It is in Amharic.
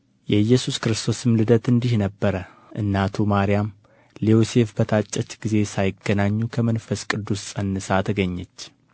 የኢየሱስ ክርስቶስም ልደት እንዲህ ነበረ እናቱ ማርያም ለዮሴፍ በታጨች ጊዜ ሳይገናኙ ከመንፈስ ቅዱስ ፀንሳ ተገኘች